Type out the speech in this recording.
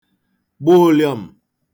gba ụ̄lịọ̄m̄